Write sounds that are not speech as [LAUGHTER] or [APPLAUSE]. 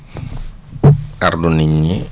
[NOISE] artu nit ñi